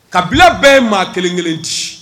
Kabila bila bɛɛ maa kelen kelen ci